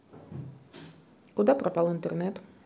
куда пропал интернет